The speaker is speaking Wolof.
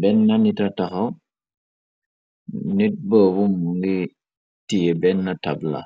Benn nita taxaw nit boobum ngi tie benn tabla